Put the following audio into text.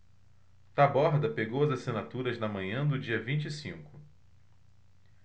taborda pegou as assinaturas na manhã do dia vinte e cinco